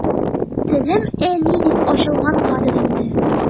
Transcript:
Телем «әни» дип ачылгангадыр инде.